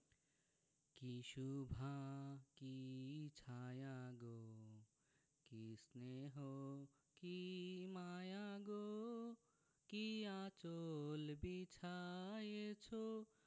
কী শোভা কী ছায়া গো কী স্নেহ কী মায়া গো কী আঁচল বিছায়েছ